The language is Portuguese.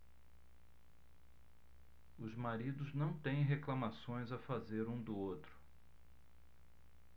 os maridos não têm reclamações a fazer um do outro